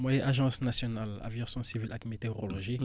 mooy agance nationale aviation civile ak météorologie